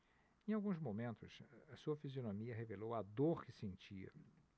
em alguns momentos sua fisionomia revelou a dor que sentia